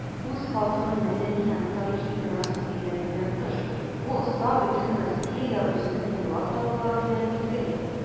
Үз халкының мәдәни һәм тарихи мирасын өйрәнүдән тыш, бу оста бөтен Россиягә үзенең уйлап табулары белән билгеле.